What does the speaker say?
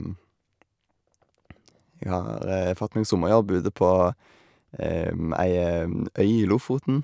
Jeg har fått meg sommerjobb ute på ei øy i Lofoten.